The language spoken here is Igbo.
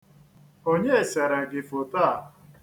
Onye sere gị foto a?